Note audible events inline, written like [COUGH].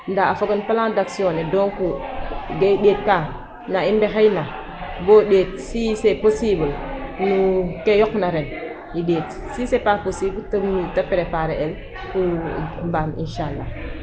Ndaa a foga no plan d' action donc ga i ɗeet ka na i mbexeyna bo ɗeet si c' est possible nu ke yoqna ren i ɗeet si c' est pas possible te [HESITATION] ta préparer el pour mbaan insaala